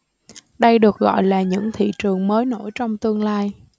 đây được gọi là những thị trường mới nổi trong tương lai